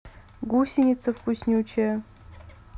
гусеница вкуснючая